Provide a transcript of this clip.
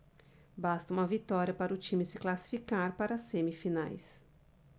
basta uma vitória para o time se classificar para as semifinais